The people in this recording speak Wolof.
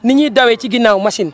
ni ñuy dawee ci ginnaaw machine